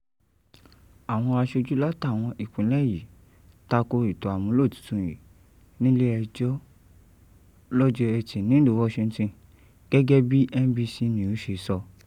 Àwọn aṣojú láti àwọn ìpínlẹ̀ yìí tako ètò àmúlò titun yìí nílé ẹjọ́ lọ́jọ́ Ẹtì nílùú Washington gẹ́gẹ́ bí NBC News ṣe sọ.